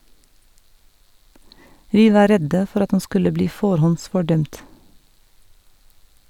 Vi var redde for at han skulle bli forhåndsfordømt.